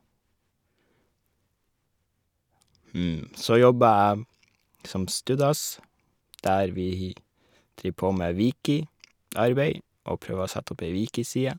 Hm, så jobber jeg som stud-ass, der vi driver på med wikiarbeid og prøver å sette opp ei wiki-side.